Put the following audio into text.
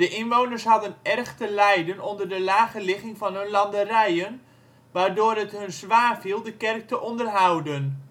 inwoners hadden erg te lijden onder de lage ligging van hun landerijen, waardoor het hun zwaar viel de kerk te onderhouden